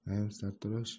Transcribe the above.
naim sartarosh